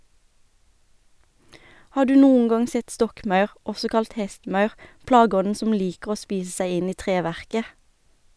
Har du noen gang sett stokkmaur, også kalt hestemaur, plageånden som liker å spise seg inn i treverket?